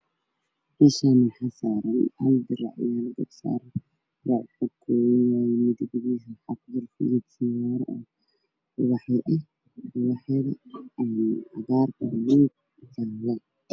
Meesha waxaa saaran go-a go-cad waxaa dul saaran greece yihiin ubax dahabi wacdaan